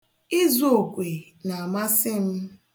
Ịzụ okwe na-amasị m.